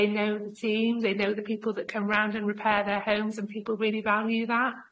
They know the team, they know the people that come round and repair their homes and people really value that.